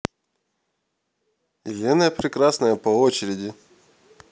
елена прекрасная по очереди